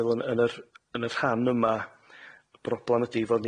meddwl yn yn yr yn y rhan yma y broblam ydi fod